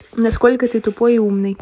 на сколько ты тупой и умный